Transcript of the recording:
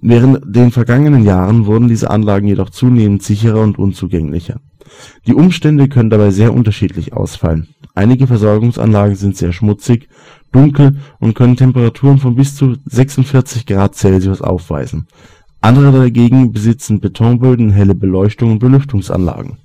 Während den vergangenen Jahren wurden diese Anlagen jedoch zunehmend sicherer und unzugänglicher. Die Umstände können dabei sehr unterschiedlich ausfallen. Einige Versorgungsanlagen sind sehr schmutzig, dunkel und können Temperaturen von bis zu 46°C aufweisen. Andere dagegen besitzen Betonböden, helle Beleuchtung und Belüftungsanlagen